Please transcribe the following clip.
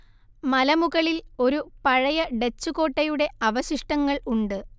മലമുകളില്‍ ഒരു പഴയ ഡച്ച് കോട്ടയുടെ അവശിഷ്ടങ്ങള്‍ ഉണ്ട്